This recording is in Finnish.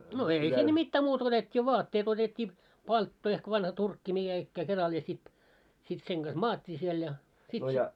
no ei sinne mitään muuta kuin otettiin vaatteet otettiin palttoo ehkä vanha turkki mikä ikään keralla ja sitten sitten sen kanssa maattiin siellä ja sitten se